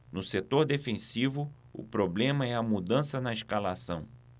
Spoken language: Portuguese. no setor defensivo o problema é a mudança na escalação